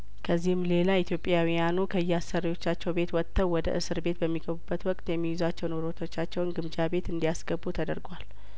ከዚህም ሌላ ኢትይጵያዊ ያኑ ከየአሰሪዎቻቸው ቤት ወጥተው ወደ እስር ቤት በሚገቡበት ወቅት የሚይዟቸው ንብረቶቻቸውን ግምጃ ቤት እንዲ ያስገቡ ተደርጓል